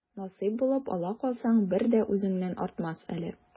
Насыйп булып ала калсаң, бер дә үзеңнән артмас әле.